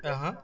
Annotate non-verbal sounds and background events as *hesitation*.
*hesitation* *hesitation*